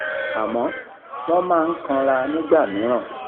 Àmọ́ wọ́n máa ń kanra nígbà mìíràn.